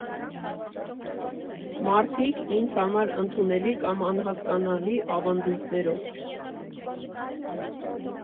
Մարդիկ՝ ինձ համար ընդունելի կամ անհասկանալի ավանդույթներով։